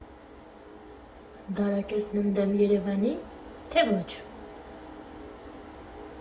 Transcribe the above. Դարակերտն ընդդեմ Երևանի՞, թե՞ ոչ։